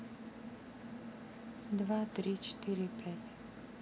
два три четыре пять